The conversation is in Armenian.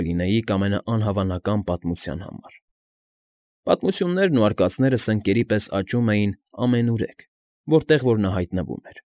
Կլինեիք ամենաանհավանական պատմության համար։ Պատմություններն ու արկածները սնկերի պես աճում էին ամենուրեք, որտեղ որ նա հայտնվում էր։